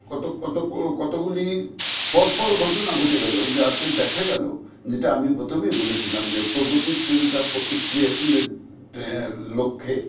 কত কত গুলি পরপর ঘটনা ঘটে গেল যাতে দেখা গেল যেটা আমি প্রথমেই বলেছিলাম যে প্রগতি তিনটা প্রতিক্রিয়াশীল এর লক্ষ্যে